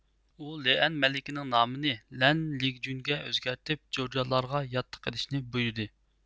ئۇ لېئەن مەلىكىنىڭ نامىنى لەنلىگجۈنگە ئۆزگەرتىپ جورجانلارغا ياتلىق قىلىشنى بۇيرىدى